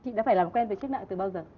chị đã phải làm quen với chiếc nạng từ bao giờ